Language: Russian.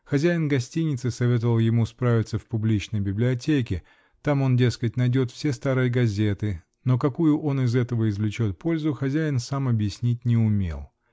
хозяин гостиницы советовал ему справиться в публичной библиотеке: там он, дескать, найдет все старые газеты, но какую он из этого извлечет пользу -- хозяин сам объяснить не умел.